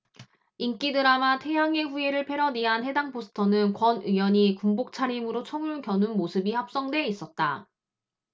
인기 드라마 태양의 후예를 패러디한 해당 포스터는 권 의원이 군복 차림으로 총을 겨눈 모습이 합성돼 있었다